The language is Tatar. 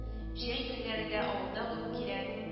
Җәй көннәрендә авылда булып килә